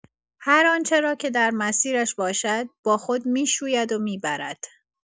هر آنچه را که در مسیرش باشد، با خود می‌شوید و می‌برد.